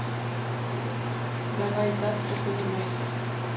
давай завтра понимай